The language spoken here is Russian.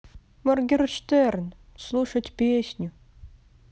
моргенштерн слушать песню